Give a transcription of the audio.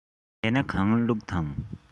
བྱས ན གང བླུགས དང